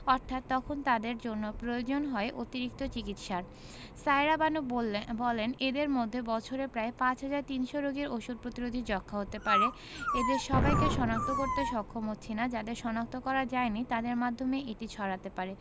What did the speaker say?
অর্থাৎ তখন তাদের জন্য প্রয়োজন হয় অতিরিক্ত চিকিৎসার সায়েরা বানু বললেন বলেন এদের মধ্যে বছরে প্রায় ৫ হাজার ৩০০ রোগীর ওষুধ প্রতিরোধী যক্ষ্মা হতে পারে এদের সবাইকে শনাক্ত করতে সক্ষম হচ্ছি না যাদের শনাক্ত করা যায়নি তাদের মাধ্যমেই এটি ছড়াতে পারে